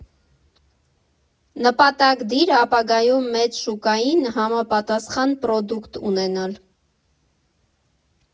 Նպատակ դիր ապագայում մեծ շուկային համապատասխան պրոդուկտ ունենալ։